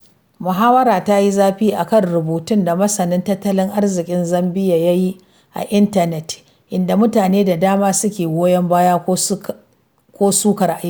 Muhawarar ta yi zafi a kan rubutun da masanin tattalin arzikin Zambia ya yi a intanet, inda mutane da dama suke goyon baya ko sukar aikin.